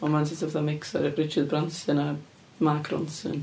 Ond ma' o'n sort of fatha mix ar Richard Branson a'r Mark Bronson.